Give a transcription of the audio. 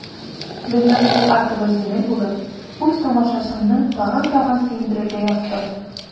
Безнең кул артыбыз җиңел булып, үз тамашачыңны тагын-тагын сөендерергә язсын.